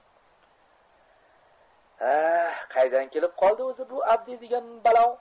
qaydan kelib qoldi o'zi bu avdiy degan balo